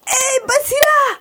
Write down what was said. Ee baasira